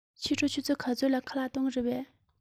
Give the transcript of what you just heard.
ཕྱི དྲོ ཆུ ཚོད ག ཚོད ལ ཁ ལག གཏོང གི རེད པས